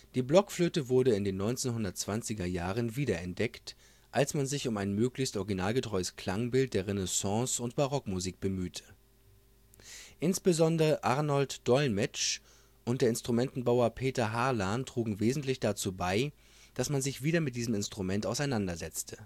Die Blockflöte wurde in den 1920er Jahren wiederentdeckt, als man sich um ein möglichst originalgetreues Klangbild der Renaissance - und Barockmusik bemühte. Insbesondere Arnold Dolmetsch und der Instrumentenbauer Peter Harlan trugen wesentlich dazu bei, dass man sich wieder mit diesem Instrument auseinandersetzte